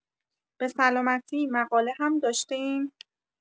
بسلامتی مقاله هم داشتین؟